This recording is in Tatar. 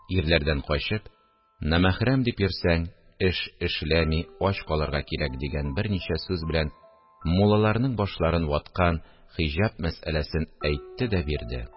Ирләрдән качып, намәхрәм дип йөрсәң, эш эшләми ач калырга кирәк, – дигән берничә сүз белән муллаларның башларын ваткан хиҗаб мәсьәләсен әйтте дә бирде